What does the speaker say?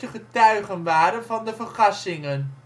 getuigen waren van de vergassingen